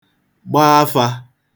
gba afā